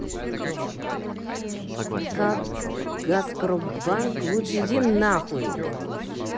как газпромбанк лучше иди нахуй